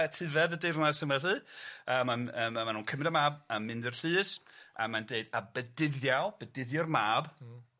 ...etifedd y deyrnas yym felly a ma'n yy ma' ma' nw'n cymryd y mab a mynd i'r llys a mae'n deud a bedyddiaw, bedyddio'r mab. Hmm.